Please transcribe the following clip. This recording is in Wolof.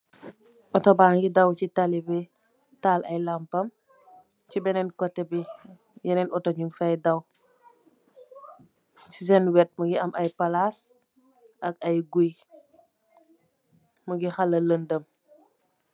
Ooto bangi daw si tali bi, taal ay lampam, si benneen kote bi yeneen ooto nyun fay daw, si seen wet mingi am ay palaas, ak ay guuy, mingi xala landem.